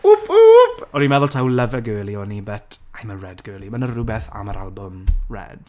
Whoop whoop! O'n i'n meddwl taw Lover girlie o'n i, but, I'm a Red girlie. Ma' 'na rywbeth am yr albwm, Red.